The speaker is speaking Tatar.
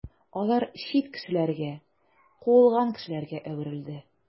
Алар чит кешеләргә, куылган кешеләргә әверелде.